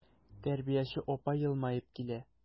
Тәрбияче апа елмаеп килә.